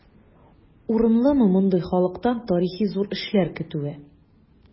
Урынлымы мондый халыктан тарихи зур эшләр көтүе?